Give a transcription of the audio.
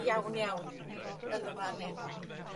iawn iawn yn fy marn i